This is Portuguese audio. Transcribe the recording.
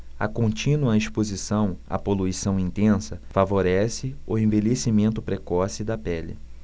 a contínua exposição à poluição intensa favorece o envelhecimento precoce da pele